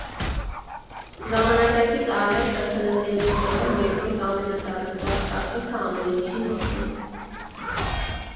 Ժամանակակից արվեստը քլնգելուց հետո երկրորդ ամենատարածված կարծիքը ամեն ինչի մասին։